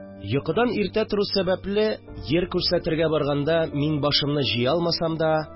Йокыдан иртә тору сәбәпле, җир күрсәтергә барганда, мин башымны җыя алмасам да